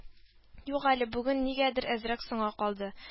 - юк әле, бүген нигәдер әзрәк соңга калды